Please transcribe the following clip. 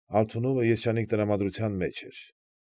Ալթունովը երջանիկ տրամադրության մեջ էր։